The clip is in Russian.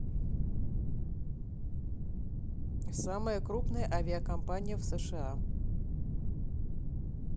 самая крупная авиакомпания в сша